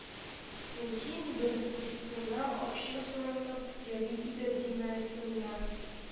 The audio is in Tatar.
Мөмкин, бенефисына акча соранып йөри иде димәсеннәр